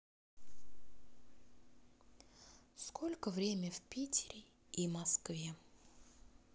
сколько время в питере и москве